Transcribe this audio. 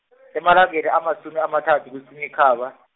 emalangeni amasumi amathathu kuSinyikhaba.